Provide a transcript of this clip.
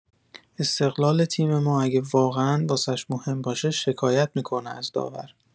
استقلال تیم ما اگه واقعا واسش مهم باشه شکایت می‌کنه از داور